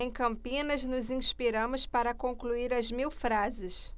em campinas nos inspiramos para concluir as mil frases